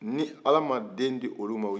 ni ala ma den di olu ma